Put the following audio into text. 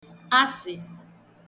asị̀